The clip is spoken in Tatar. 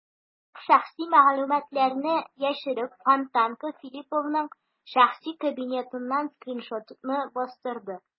Барлык шәхси мәгълүматларны яшереп, "Фонтанка" Филипповның шәхси кабинетыннан скриншотны бастырды.